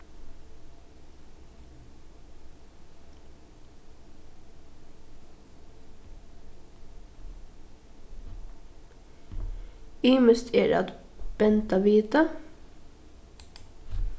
ymiskt er at benda vita